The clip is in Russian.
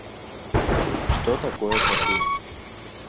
что такое тату